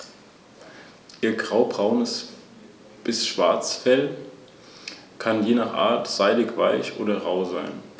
Versuche Makedoniens, die alte Hegemonie wieder aufzurichten, führten zum Krieg.